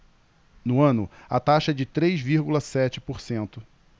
no ano a taxa é de três vírgula sete por cento